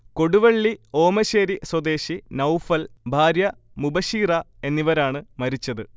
കൊടുവളളി ഓമശ്ശേരി സ്വദേശി നൗഫൽ, ഭാര്യ മുബഷീറ എന്നിവരാണ് മരിച്ചത്